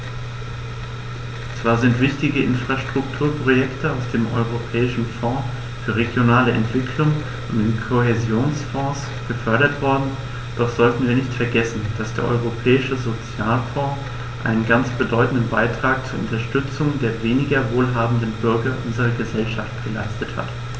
Zwar sind wichtige Infrastrukturprojekte aus dem Europäischen Fonds für regionale Entwicklung und dem Kohäsionsfonds gefördert worden, doch sollten wir nicht vergessen, dass der Europäische Sozialfonds einen ganz bedeutenden Beitrag zur Unterstützung der weniger wohlhabenden Bürger unserer Gesellschaft geleistet hat.